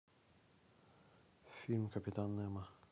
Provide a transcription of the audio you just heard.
фильм капитан немо